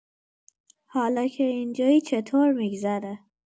حالا که اینجایی چطور می‌گذره؟